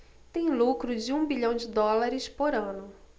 tem lucro de um bilhão de dólares por ano